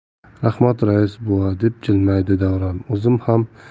rahmat rais buva deb jilmaydi davron o'zim